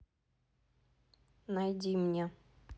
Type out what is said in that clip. найди мне